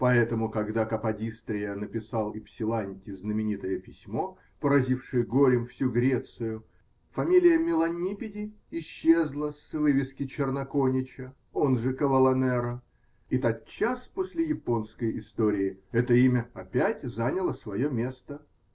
Поэтому когда Каподистрия написал Ипсиланти знаменитое письмо, поразившее горем всю Грецию, фамилия "Меланиппиди" исчезла с вывески Черноконича (он же Каваллонеро), а тотчас после японской истории это имя опять заняло свое место.